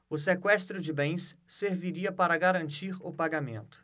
o sequestro de bens serviria para garantir o pagamento